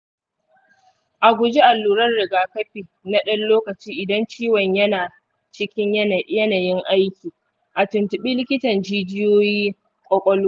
a guji alluran rigakafi na ɗan lokaci idan ciwon yana cikin yanayin aiki. a tuntubi likitan jijiyoyi ƙwaƙwalwa.